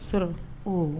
Sɔrɔ